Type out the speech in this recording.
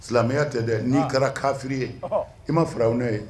Silamɛya tɛ dɛ n'i ga kafiri ye i ma faraw n'o ye